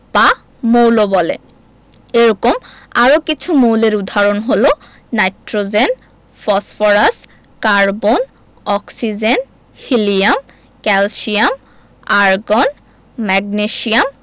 বা মৌল বলে এরকম আরও কিছু মৌলের উদাহরণ হলো nitrogen phosphorus carbon oxygen helium calcium argon magnesium